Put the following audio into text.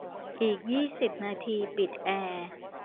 อีกยี่สิบนาทีปิดแอร์